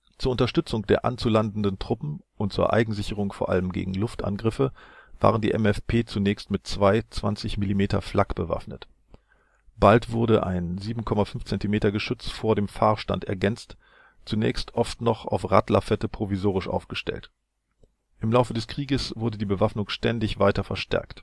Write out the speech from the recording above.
Zur Unterstützung der anzulandenden Truppen und zur Eigensicherung vor allem gegen Luftangriffe waren die MFP zunächst mit zwei 20-mm-Flak bewaffnet. Bald wurde ein 7,5 cm Geschütz vor dem Fahrstand ergänzt, zunächst oft noch auf Radlafetten provisorisch aufgestellt. Im Laufe des Krieges wurde die Bewaffnung ständig weiter verstärkt